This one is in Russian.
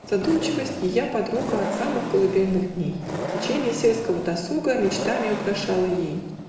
Задумчивость, ее подруга От самых колыбельных дней, Теченье сельского досуга Мечтами украшала ей.